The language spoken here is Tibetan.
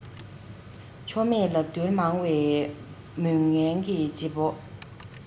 ཆོ མེད ལབ བརྡོལ མང བའི དམོན ངན གྱི བྱེད པོ